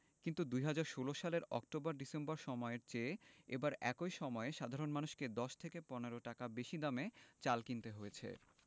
কিন্তু ২০১৬ সালের October December সময়ের চেয়ে এবার একই সময়ে সাধারণ মানুষকে ১০ থেকে ১৫ টাকা বেশি দামে চাল কিনতে হয়েছে